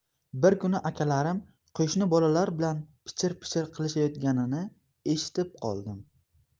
bir kuni akalarim qo'shni bolalar bilan pichir pichir qilishayotganini eshitib qoldim